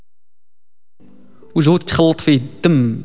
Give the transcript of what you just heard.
وجود خيوط في الدم